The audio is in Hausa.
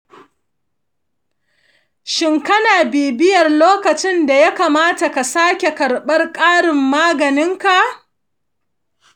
shin kana bibiyar lokacin da ya kamata ka sake karɓar ƙarin maganinka?